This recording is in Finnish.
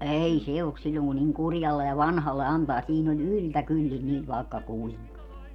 ei se ole silloin kun niin kurjalle ja vanhalle antaa siinä oli yltäkyllin niin vaikka kuinka